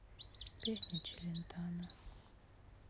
песня челентано